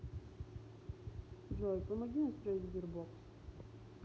джой помоги настроить sberbox